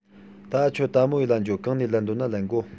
ད འུ ཆོ དལ མོ ཡེད ལ འགྱོ གང ནས ལེན འདོད ན ལེན གོ